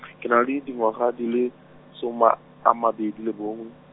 ke na le dingwaga di le, soma, a mabedi le bongwe.